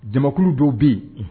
Jamakulu dɔw bɛ yen, unhun